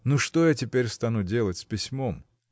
Ну, что я теперь стану делать с письмом?